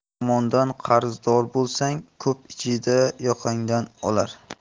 yomondan qarzdor bo'lsang ko'p ichida yoqangdan olar